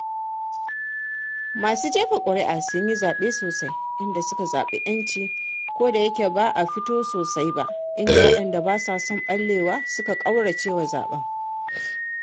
Masu jefa ƙuri’ar sun yi zaɓe sosai inda suka zaɓi ‘yanci kodayake ba a fito sosai ba inda waɗanda ba sa son ɓallewa suka ƙauracewa zaɓen.